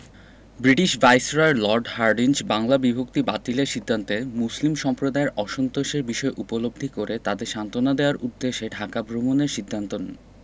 British viceroy Lord Hardinge Bangla বিভক্তি বাতিলের সিদ্ধান্তে মুসলিম সম্প্রদায়ের অসন্তোষের বিষয় উপলব্ধি করে তাদের সান্ত্বনা দেওয়ার উদ্দেশ্যে ঢাকা ভ্রমণের সিদ্ধান্ত